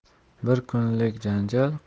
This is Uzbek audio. bir kunlik janjal